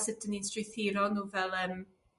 sut 'dyn ni'n strwythuro nw fel yym